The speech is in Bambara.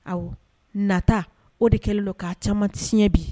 Ɔ nata o de kɛlen don k'a caman tiɲɛɲɛ bi